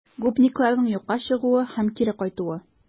Гопникларның юкка чыгуы һәм кире кайтуы